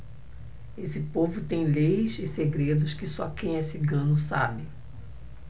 esse povo tem leis e segredos que só quem é cigano sabe